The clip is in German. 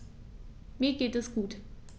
Mir geht es gut.